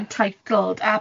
Entitled.